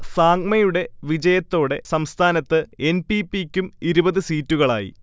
സാങ്മയുടെ വിജയത്തോടെ സംസ്ഥാനത്ത് N. P. P. ക്കും ഇരുപത് സീറ്റുകളായി